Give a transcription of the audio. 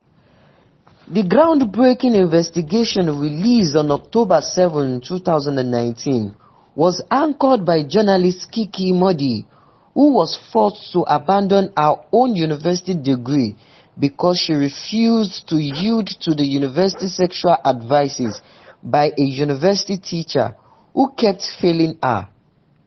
The groundbreaking investigation, released on October 7, 2019, was anchored by journalist Kiki Mordi, who was forced to abandon her own university degree because she refused to yield to the sexual advances by a university teacher who kept failing her: